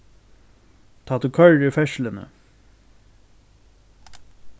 tá tú koyrir í ferðsluni